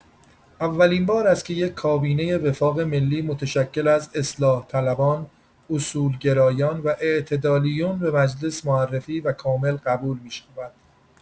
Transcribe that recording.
اولین بار است که یک کابینه «وفاق ملی» متشکل از اصلاح‌طلبان، اصولگرایان و اعتدالیون به مجلس معرفی و کامل قبول می‌شود.